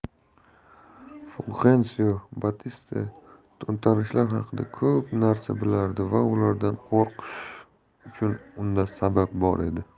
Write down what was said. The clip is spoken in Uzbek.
fulxensio batista to'ntarishlar haqida ko'p narsa bilardi va ulardan qo'rqish uchun unda sabab bor edi